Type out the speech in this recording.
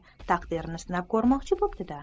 taqdirini sinab ko'rmoqchi bo'pti da